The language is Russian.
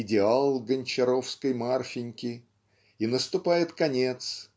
идеал гончаровской Марфиньки и наступает конец